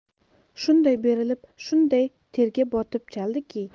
shunday berilib shunday terga botib chaldiki